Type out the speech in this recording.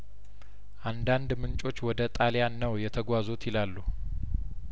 አንዳንድምንጮች ወደ ጣልያን ነው የተጓዙት ይላሉ